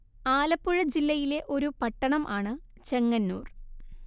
ആലപ്പുഴ ജില്ലയിലെ ഒരു പട്ടണം ആണ് ചെങ്ങന്നൂർ